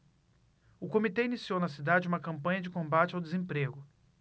o comitê iniciou na cidade uma campanha de combate ao desemprego